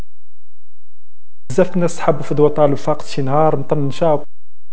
تنسحب فدوه طالب فقط في النهار